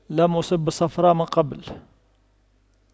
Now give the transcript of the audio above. لم أصب بالصفراء من قبل